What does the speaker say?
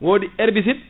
wodi herbicide